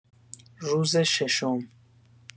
روز ششم